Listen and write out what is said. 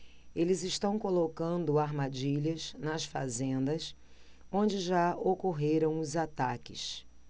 eles estão colocando armadilhas nas fazendas onde já ocorreram os ataques